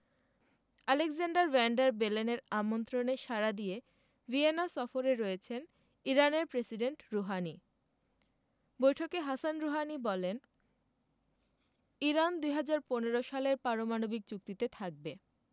Alexander van der বেলেনের আমন্ত্রণে সাড়া দিয়ে ভিয়েনা সফরে রয়েছেন ইরানের প্রেসিডেন্ট রুহানি বৈঠকে হাসান রুহানি বলেন ইরান ২০১৫ সালের পারমাণবিক চুক্তিতে থাকবে